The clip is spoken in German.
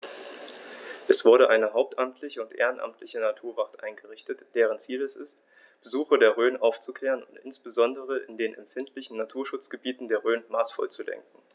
Es wurde eine hauptamtliche und ehrenamtliche Naturwacht eingerichtet, deren Ziel es ist, Besucher der Rhön aufzuklären und insbesondere in den empfindlichen Naturschutzgebieten der Rhön maßvoll zu lenken.